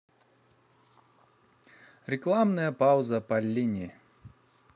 рекламная пауза поллини